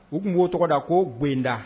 U kun b'o tɔgɔ da ko Gwenda